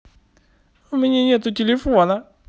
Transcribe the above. у меня нету телефона